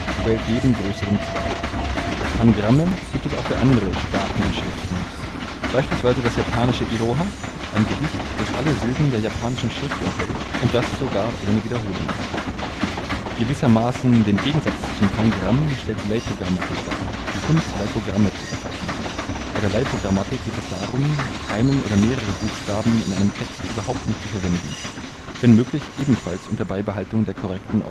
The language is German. quält jeden größeren Zwerg. Pangramme gibt es auch für andere Sprachen und Schriften, beispielsweise das japanische Iroha, ein Gedicht, das alle Silben der japanischen Schrift enthält, und das sogar ohne Wiederholungen. Gewissermaßen den Gegensatz zum Pangramm stellt die Leipogrammatik dar, die Kunst, Leipogramme zu verfassen. Bei der Leipogrammatik geht es darum, einen oder mehrere Buchstaben in einem Text überhaupt nicht zu verwenden, wenn möglich ebenfalls unter Beibehaltung der korrekten